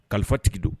Kalifatigi don.